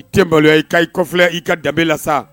I tɛ maloya i ka i kɔfilɛ i ka danbe la sa.